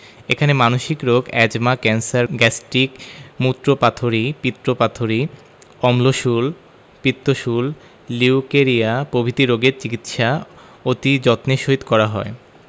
এখানে মানসিক রোগ এ্যজমা ক্যান্সার গ্যাস্ট্রিক মুত্রপাথড়ী পিত্তপাথড়ী অম্লশূল পিত্তশূল লিউকেরিয়া প্রভৃতি রোগের চিকিৎসা অতি যত্নের সহিত করা হয়